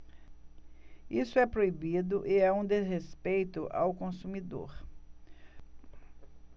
isso é proibido e é um desrespeito ao consumidor